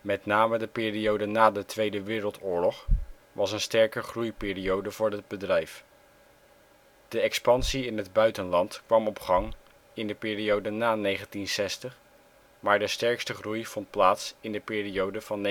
Met name de periode na de Tweede Wereldoorlog was een sterke groeiperiode voor het bedrijf. De expansie in het buitenland kwam op gang in de periode na 1960, maar de sterkste groei vond plaats in de periode van